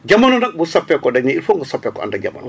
jamono nag bu soppeekoo dañ ne il foog nga soppeeku ànd ak jamono